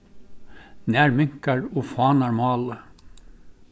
nær minkar og fánar málið